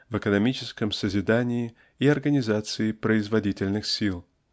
в экономическом созидании и организации производительных сил.